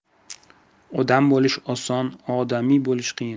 odam bo'lish oson odamiy bo'lish qiyin